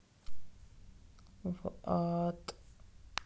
в ад